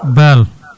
Baal